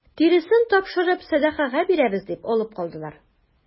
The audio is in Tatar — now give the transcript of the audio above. Тиресен тапшырып сәдакага бирәбез дип алып калдылар.